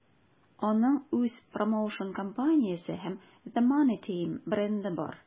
Аның үз промоушн-компаниясе һәм The Money Team бренды бар.